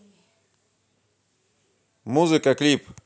музыка клип